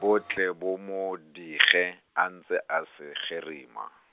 bo tle bo mo dige, a ntse a se gerima.